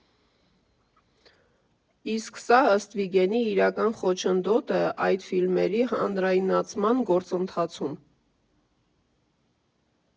Իսկ սա, ըստ Վիգենի, իրական խոչընդոտ է այդ ֆիլմերի հանրայնացման գործընթացում։